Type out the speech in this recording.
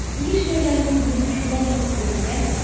Нишләп әле ул безне шулай мыскыл итә?